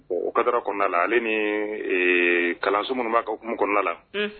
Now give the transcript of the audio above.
O katara kɔnɔnadala ale ni kalanso minnu b'a ka kuma kɔnɔnadala